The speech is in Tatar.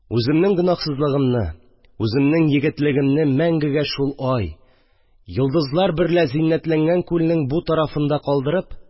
Үземнең гөнаһсызлыгымны, үземнең егетлегемне мәңгегә шул ай, йолдызлар берлә зиннәтләнгән күлнең бу тарафында калдырып